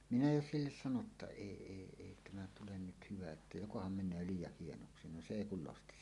minä jo sille sanoin jotta ei ei ei tämä tule nyt hyvä että jokohan menee liian hienoksi no se ei kun losti